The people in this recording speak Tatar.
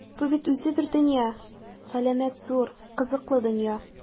Бу бит үзе бер дөнья - галәмәт зур, кызыклы дөнья!